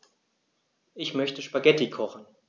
Ich möchte Spaghetti kochen.